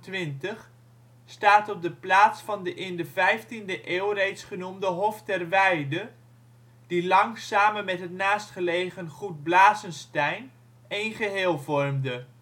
1928) staat op de plaats van de in de 15de eeuw reeds genoemde Hof ter Weide, die lang samen met het naastgelegen Goed Blasenstein één geheel vormde